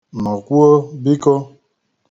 Nọkwuo, biko.